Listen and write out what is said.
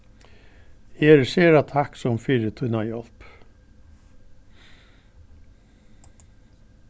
eg eri sera takksom fyri tína hjálp